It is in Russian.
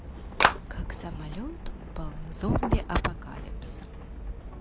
как самолет упал на zombie apocalypse